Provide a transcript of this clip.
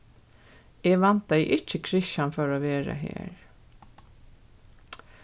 eg væntaði ikki kristian fór at verða her